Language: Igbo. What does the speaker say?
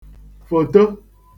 fòto